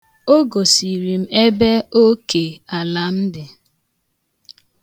O gosiri m ebe oke ala m dị.